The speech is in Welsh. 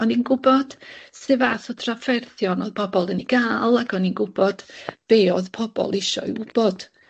O'n i'n gwbod su' fath o trafferthion o'dd bobol yn 'u ga'l ac o'n i'n gwbod be o'dd pobol isio 'i wbod.